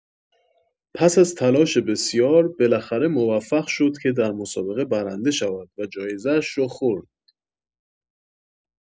پس از تلاش بسیار، بالاخره موفق شد که در مسابقه برنده شود و جایزه‌اش را خورد.